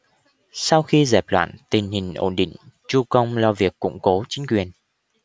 sau khi dẹp loạn tình hình ổn định chu công lo việc củng cố chính quyền